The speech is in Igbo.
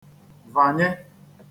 vànye